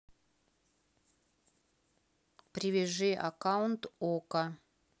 привяжи аккаунт окко